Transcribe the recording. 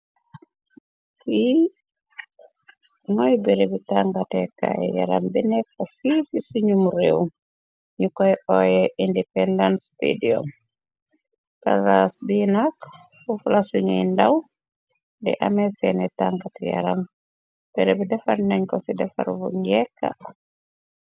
Ci mooy berëbi tàngatekaay yaram bi nekko fiir ci ci ñumu réew ñu koy ooye independence stadiom palaas bii nak xufala suñuy ndaw di amee seeni tangat-yaram berebi defar nañ ko ci defar bu njekka.